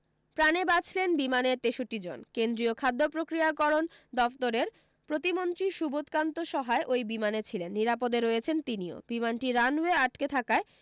প্রাণে বাঁচলেন বিমানের তেষট্টি জন কেন্দ্রীয় খাদ্য প্রক্রিয়াকরণ দফতরের প্রতিমন্ত্রী সুবোধকান্ত সহায় ওই বিমানে ছিলেন নিরাপদে রয়েছেন তিনিও বিমানটি রানওয়ে আটকে থাকায়